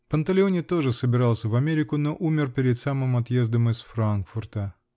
Панталеоне тоже собирался в Америку, но умер перед самым отъездом из Франкфурта.